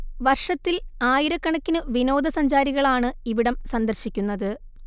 വർഷത്തിൽ ആയിരക്കണക്കിനു വിനോദസഞ്ചാരികളാണ് ഇവിടം സന്ദർശിക്കുന്നത്